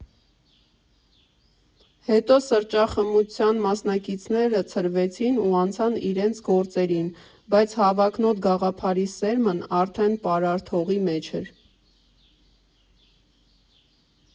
Հետո սրճախմության մասնակիցները ցրվեցին ու անցան իրենց գործերին, բայց հավակնոտ գաղափարի սերմն արդեն պարարտ հողի մեջ էր։